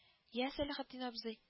- я, сәләхетдин абзый